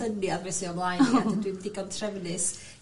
..syniad be' sy o'm mlaen i a dwi dim digon trefnus